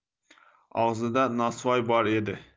og'zida nosvoy bor edi